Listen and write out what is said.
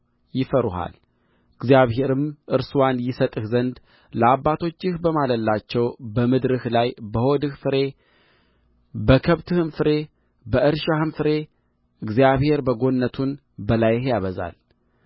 ይፈሩሃል እግዚአብሔርም እርስዋን ይሰጥህ ዘንድ ለአባቶችህ በማለላቸው በምድርህ ላይ በሆድህ ፍሬ በከብትህ ፍሬ በእርሻህም ፍሬ እግዚአብሔር በጎነቱን በላይህ ያበዛል